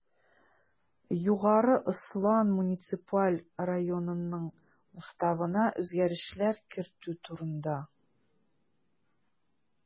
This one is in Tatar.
Югары Ослан муниципаль районынның Уставына үзгәрешләр кертү турында